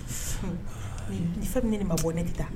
Bɛ ni ma bɔ ne bɛ taa